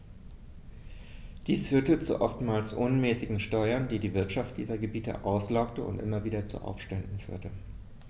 Dies führte zu oftmals unmäßigen Steuern, die die Wirtschaft dieser Gebiete auslaugte und immer wieder zu Aufständen führte.